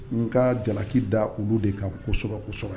Nka jalaki da olu de kan kosɛbɛ kosɛbɛ.